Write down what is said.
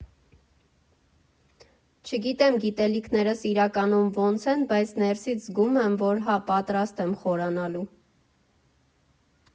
Չգիտեմ՝ գիտելիքներս իրականում ոնց են, բայց ներսից զգում եմ, որ հա, պատրաստ եմ խորանալու։